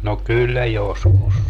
no kyllä joskus